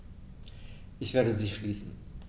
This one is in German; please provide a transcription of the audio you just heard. Ich werde sie schließen.